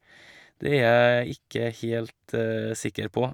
Det er jeg ikke helt sikker på.